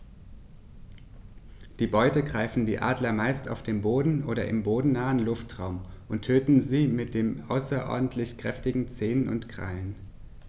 Die Beute greifen die Adler meist auf dem Boden oder im bodennahen Luftraum und töten sie mit den außerordentlich kräftigen Zehen und Krallen.